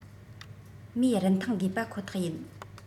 མིའི རིན ཐང དགོས པ ཁོ ཐག ཡིན